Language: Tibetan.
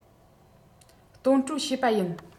གཏོང སྤྲོད བྱེད པ ཡིན